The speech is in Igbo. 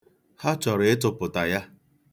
Ha chọrọ ịtụpụta ya.